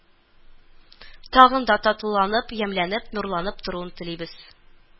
Тагын да татлыланып, ямьләнеп, нурланып торуын телибез